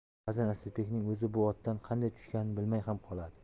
ba'zan asadbekning o'zi bu otdan qanday tushganini bilmay ham qoladi